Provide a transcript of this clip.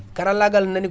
karallagal nani